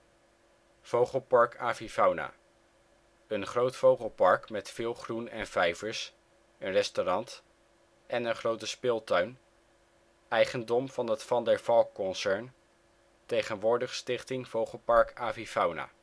Vogelpark Avifauna: een groot vogelpark met veel groen en vijvers, een restaurant, en een grote speeltuin, eigendom van het Van der Valk-concern, tegenwoordig Stichting Vogelpark Avifauna